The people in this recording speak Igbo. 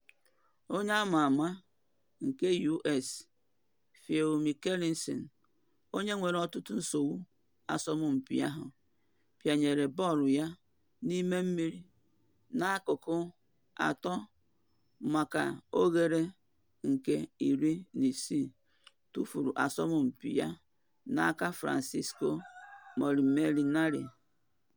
Onye ama ama nke US Phil Mickelson, onye nwere ọtụtụ nsogbu n’asọmpi ahụ, pianyere bọọlụ ya n’ime mmiri na ọkụkụ-3 maka oghere nke 16, tufuru asọmpi ya n’aka Francesco Molinari.